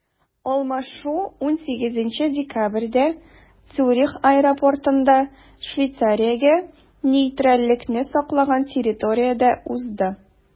Алмашу 18 декабрьдә Цюрих аэропортында, Швейцариягә нейтральлекне саклаган территориядә узды.